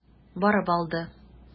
Барып алды.